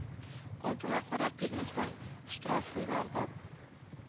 Алдыңа карап йөрмәсәң, штрафлыйлар да,